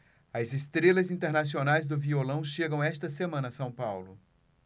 as estrelas internacionais do violão chegam esta semana a são paulo